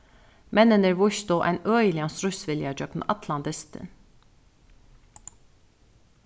menninir vístu ein øgiligan stríðsvilja gjøgnum allan dystin